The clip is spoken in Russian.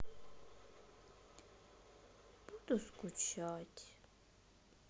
буду скучать